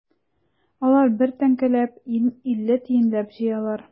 Алар бер тәңкәләп, илле тиенләп җыялар.